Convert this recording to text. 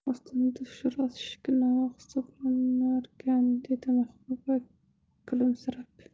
ostonada so'rashish gunoh hisoblanarkan dedi mahbuba kulimsirab